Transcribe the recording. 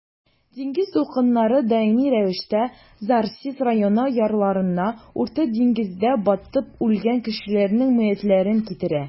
Диңгез дулкыннары даими рәвештә Зарзис районы ярларына Урта диңгездә батып үлгән кешеләрнең мәетләрен китерә.